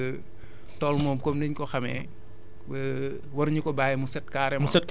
parce que tool moom comme niñ ko xamee waruñu ko bàyyi mu set